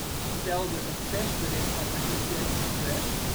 stelde een persbericht van Associated Press